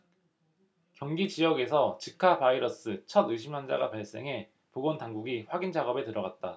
경기지역에서 지카바이러스 첫 의심환자가 발생해 보건당국이 확인 작업에 들어갔다